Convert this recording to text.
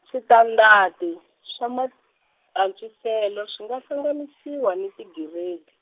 switandati, swa, Maantswisele swi nga hlanganisiwa ni tigiredi.